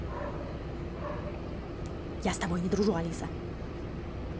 я с тобой не дружу алиса